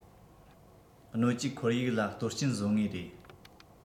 སྣོད བཅུད ཁོར ཡུག ལ གཏོར སྐྱོན བཟོ ངེས རེད